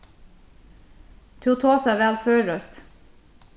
tú tosar væl føroyskt